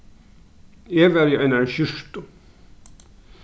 eg var í einari skjúrtu